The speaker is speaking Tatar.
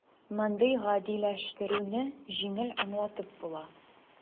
Мондый "гадиләштерү"не җиңел аңлатып була: